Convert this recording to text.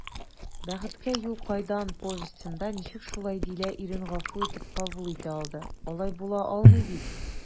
«бәхеткә юл кайдан» повестенда ничек шулай дилә ирен гафу итеп кабул итә алды, алай була алмый бит?»